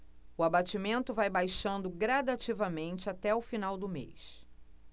o abatimento vai baixando gradativamente até o final do mês